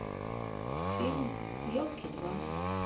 фильм елки два